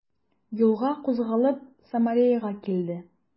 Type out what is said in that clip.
Юлга кузгалып, Самареяга килде.